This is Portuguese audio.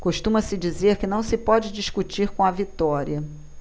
costuma-se dizer que não se pode discutir com a vitória